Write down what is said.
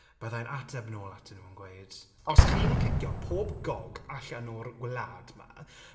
Bydda i'n ateb nôl atyn nhw yn gweud "os chi'n cicio pob gog allan o'r gwlad yma"...